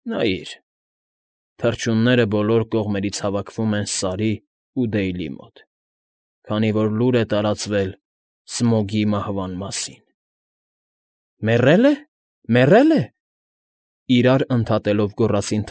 Նայիր, թռչունները բոլոր կողմերից հավաքվում են Սարի ու Դեյլի մոտ, քանի որ լուր է տարածվել Սմոգի մահվան մասին… ֊ Մեռե՞լ է, մեռե՞լ է,֊ իրար ընդհատելով գոռացին։